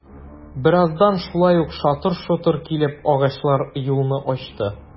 Бераздан шулай ук шатыр-шотыр килеп, агачлар юлны ачты...